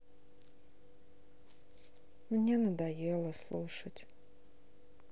мне надоело слушать